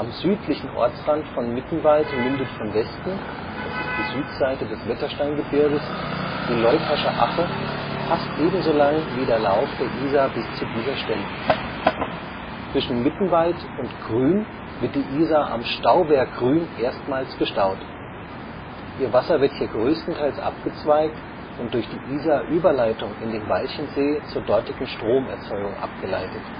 südlichen Ortsrand von Mittenwald mündet von Westen (Südseite des Wettersteingebirges) die Leutascher Ache, fast ebenso lang wie der Lauf der Isar bis zu dieser Stelle. Zwischen Mittenwald und Krün wird die Isar am Stauwehr Krün erstmals gestaut. Ihr Wasser wird hier größtenteils abgezweigt und durch die Isarüberleitung in den Walchensee zur dortigen Stromerzeugung abgeleitet